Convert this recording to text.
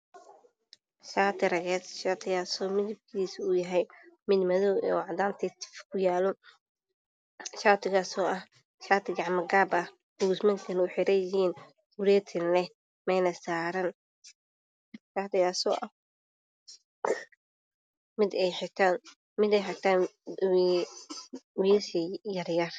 Shaati rageed shatigaaso midibkisu yahay mid madow eh oo cadan tiftif ku yaalo shaatigasoo ah shaati gacma gaab ah kuletina leh meelna saran shatigasoo ah mid ay xirtan wilsha yar yar